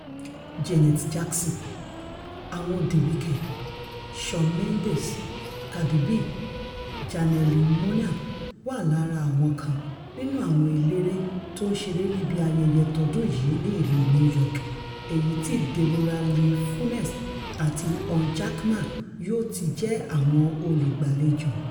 Janet Jackson, àwọn The Weeknd, Shawn Mendes, Cardi B, Janelle Monáe wà lára àwọn kan nínú àwọn eléré tó ńṣeré níbi ayẹyẹ tọdún yìí ní ìlú New York, èyití Deborah-Lee Furness àti Hugh Jackman yóò tijẹ́ àwọn olùgbàlejò.